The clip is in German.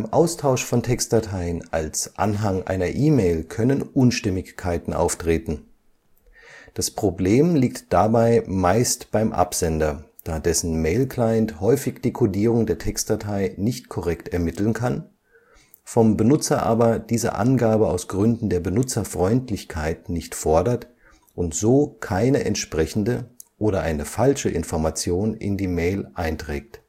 Austausch von Textdateien als Anhang einer E-Mail können Unstimmigkeiten auftreten. Das Problem liegt dabei meist beim Absender, da dessen Mail-Client häufig die Codierung der Textdatei nicht korrekt ermitteln kann, vom Benutzer aber diese Angabe aus Gründen der Benutzerfreundlichkeit nicht fordert und so keine entsprechende oder eine falsche Information in die Mail einträgt